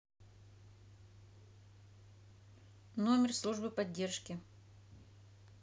номер службы поддержки